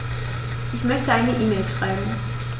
Ich möchte eine E-Mail schreiben.